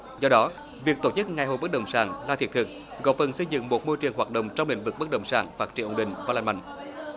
do đó việc tổ chức ngày hội bất động sản là thiết thực góp phần xây dựng một môi trường hoạt động trong lĩnh vực bất động sản phát triển ổn định và lành mạnh